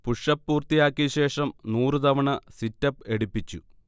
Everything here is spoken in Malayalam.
പുഷ്അപ് പൂർത്തിയാക്കിയ ശേഷം നൂറു തവണ സിറ്റ്അപ് എടുപ്പിച്ചു